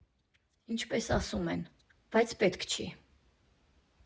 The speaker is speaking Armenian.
Ինչպես ասում են՝ բայց պետք չի։